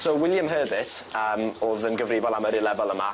So William Herbert yym o'dd yn gyfrifol am yrru lefel yma.